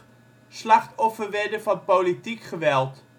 slachtoffer werden van politiek geweld